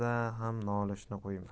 ham nolishini qo'ymas